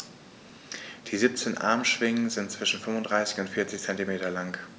Die 17 Armschwingen sind zwischen 35 und 40 cm lang.